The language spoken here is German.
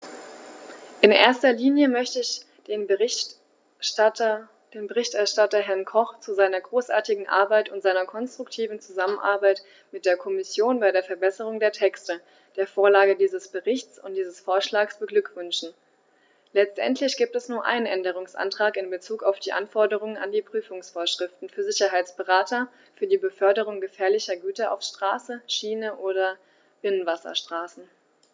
In erster Linie möchte ich den Berichterstatter, Herrn Koch, zu seiner großartigen Arbeit und seiner konstruktiven Zusammenarbeit mit der Kommission bei der Verbesserung der Texte, der Vorlage dieses Berichts und dieses Vorschlags beglückwünschen; letztendlich gibt es nur einen Änderungsantrag in bezug auf die Anforderungen an die Prüfungsvorschriften für Sicherheitsberater für die Beförderung gefährlicher Güter auf Straße, Schiene oder Binnenwasserstraßen.